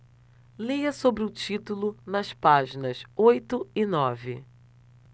leia sobre o título nas páginas oito e nove